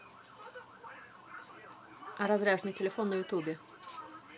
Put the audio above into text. разряженный телефон на ютубе